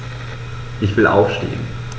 Ich will aufstehen.